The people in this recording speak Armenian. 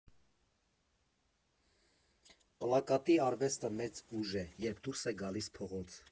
Պլակատի արվեստը մեծ ուժ է, երբ դուրս է գալիս փողոց։